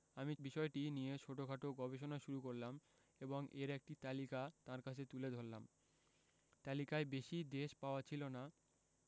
আমি বিষয়টি নিয়ে ছোটখাটো গবেষণা শুরু করলাম এবং এর একটি তালিকা তাঁর কাছে তুলে ধরলাম তালিকায় বেশি দেশ পাওয়া ছিল না